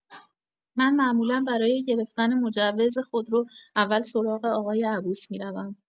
من معمولا برای گرفتن مجوز خودرو اول سراغ آقای عبوس می‌روم.